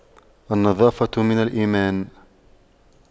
النظافة من الإيمان